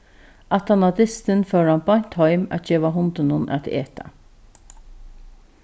aftan á dystin fór hann beint heim at geva hundinum at eta